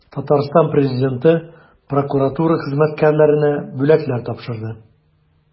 Татарстан Президенты прокуратура хезмәткәрләренә бүләкләр тапшырды.